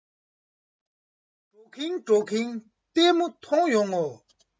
འགྲོ གིན འགྲོ གིན ལྟད མོ མཐོང ཡོང ངོ